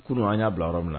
Kunun an y'a bila yɔrɔ min na